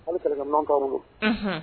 Hali kɛlɛminɛn t'aw bolo, unhun